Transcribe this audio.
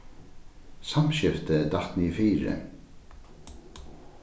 samskiftið datt niður fyri